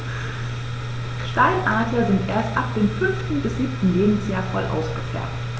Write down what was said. Steinadler sind erst ab dem 5. bis 7. Lebensjahr voll ausgefärbt.